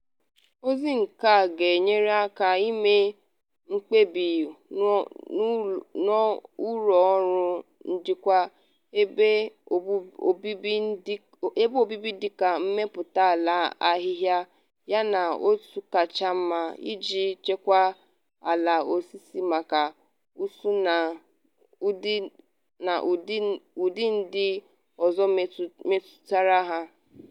Ozi nke a ga-enyere aka ime mkpebi n’uru ọrụ njikwa ebe obibi dị ka mmepụta ala ahịhịa yana otu kacha mma iji chekwaa ala osisi maka ụsụ na ụdị ndị ọzọ metụtara ha.